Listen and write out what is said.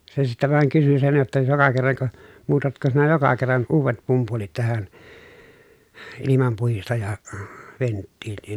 se sitten vain kysyi sen jotta joka kerranko muutatko sinä joka kerran uudet pumpulit tähän - ilmanpuhdistajaventtiiliin